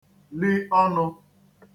li ọnụ